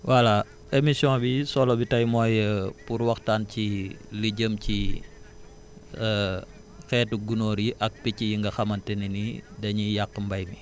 voilà émission bi solo bi tey mooy pour waxtaan ci li jëm ci xeetu gunóor yi ak picc yi nga xamante ne ni dañuy yàq mbay mi